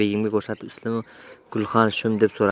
begimga ko'rsatib islimi gulxan shumi deb so'radi